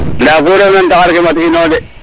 nda ku ref na taxar ke mat ino de